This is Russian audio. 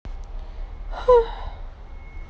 х